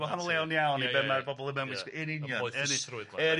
Wahanol iawn iawn i be' ma'r bobl yn wisgo yn union yn union.